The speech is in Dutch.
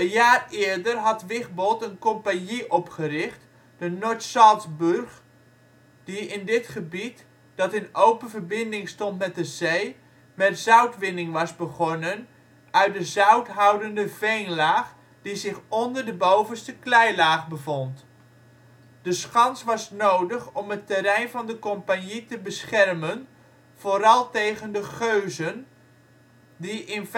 jaar eerder had Wigbold een compagnie opgericht (Nordsalzburg) die in dit gebied, dat in open verbinding stond met de zee, met zoutwinning was begonnen uit de zouthoudende veenlaag die zich onder de bovenste kleilaag bevond. De Schans was nodig om het terrein van de compagnie te beschermen, vooral tegen de geuzen, die in